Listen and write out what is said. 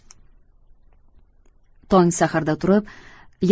tong saharda turib